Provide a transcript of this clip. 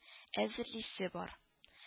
Әзерлисе бар